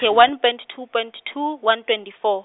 ke one point two point two, one twenty four.